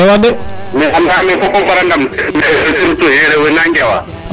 mais andame fopa mbara ndam surtout rewe na njawa